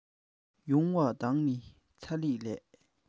ཡུང བ དང ནི ཚ ལེ ལས